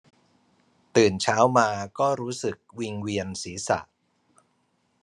ตื่นเช้ามาก็รู้สึกวิงเวียนศีรษะ